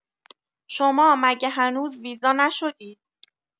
شما مگه هنوز ویزا نشدید؟